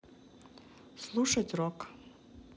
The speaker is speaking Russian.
слушать рок